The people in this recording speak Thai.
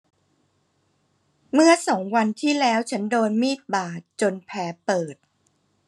เมื่อสองวันที่แล้วฉันโดนมีดบาดจนแผลเปิด